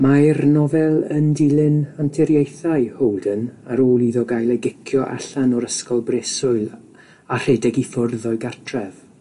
Mae'r nofel yn dilyn anturiaethau Holden ar ôl iddo gael ei gicio allan o'r ysgol breswyl a rhedeg i ffwrdd o'i gartref.